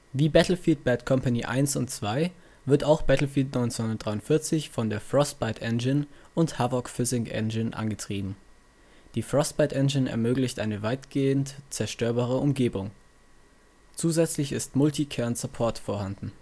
Wie Battlefield: Bad Company 1 und 2 wird auch Battlefield 1943 von der Frostbite Engine und Havok-Physik-Engine angetrieben. Die Frostbite Engine ermöglicht eine weitgehend zerstörbare Umgebung. Zusätzlich ist Multi-Kern-Support vorhanden